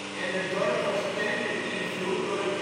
het dorp was sterk beïnvloed door het Jaïnisme